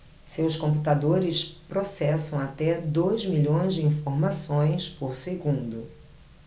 seus computadores processam até dois milhões de informações por segundo